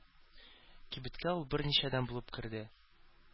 Кибеткә ул беренчеләрдән булып керде.